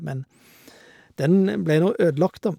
Men den blei nå ødelagt, da.